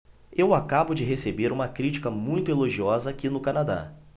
eu acabo de receber uma crítica muito elogiosa aqui no canadá